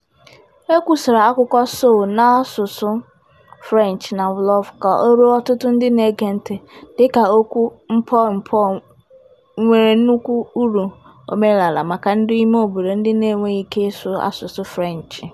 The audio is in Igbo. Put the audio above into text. E kwusara akụkọ Sow n'asụsụ French na Wolof ka o ruo ọtụtụ ndị na-ege ntị, dịka okwu 'ndeup neupal' nwere nnukwu uru omenala maka ndị imeobodo ndị na-enweghị ike ịsụ asụsụ French.